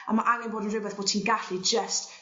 on' ma' angen bod yn rwbeth bo' ti'n gallu jyst